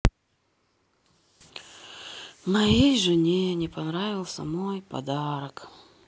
моей жене не понравился мой подарок